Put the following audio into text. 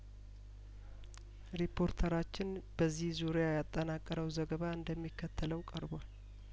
ሪፖርተራችን በዚህ ዙሪያያጠና ቀረው ዘገባ እንደሚከተለው ቀርቧል